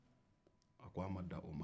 a ko a ma dan o ma